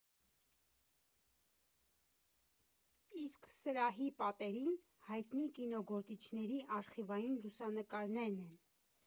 Իսկ սրահի պատերին հայտնի կինոգործիչների արխիվային լուսանկարներն են։